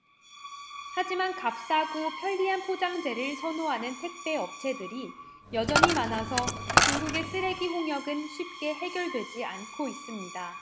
하지만 값싸고 편리한 포장재를 선호하는 택배업체들이 여전히 많아서 중국의 쓰레기 홍역은 쉽게 해결되지 않고 있습니다